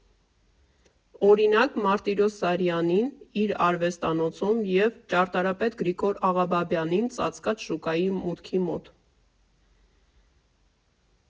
Օրինակ՝ Մարտիրոս Սարյանին իր արվեստանոցում և ճարտարապետ Գրիգոր Աղաբաբյանին Ծածկած շուկայի մուտքի մոտ։